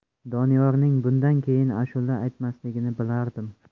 doniyorning bundan keyin ashula aytmasligini bilardim